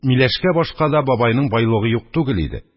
Миләшкә башка да бабайның байлыгы юк түгел иде.